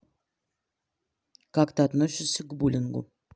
как ты относишься к булингу